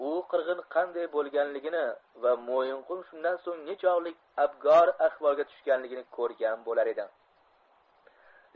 u qirg'in qanday bo'lganligini va mo'yinqum shundan so'ng nechog'lik abgor ahvolga tushganligini ko'rgan bo'lar edi